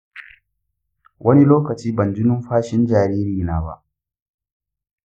wani lokaci ban ji numfashin jaririna ba.